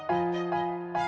để